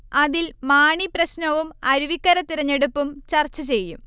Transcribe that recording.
അതിൽ മാണി പ്രശ്നവും അരുവിക്കര തെരഞ്ഞെടുപ്പും ചർച്ചചെയ്യും